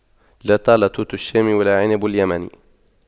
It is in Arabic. لا طال توت الشام ولا عنب اليمن